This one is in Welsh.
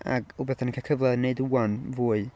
Ac rywbeth dan ni'n cael cyfle wneud 'ŵan fwy...